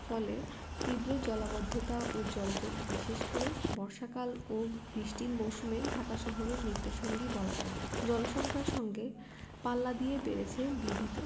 ফলে তীব্র জলাবদ্ধতা ও জলজট বিশেষ করে বর্ষাকাল ও বৃষ্টির মৌসুমে ঢাকা শহরের নিত্যসঙ্গী বলা চলে জনসংখ্যার সঙ্গে পাল্লা দিয়ে বেড়েছে বিবিধ